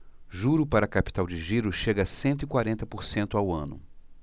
juro para capital de giro chega a cento e quarenta por cento ao ano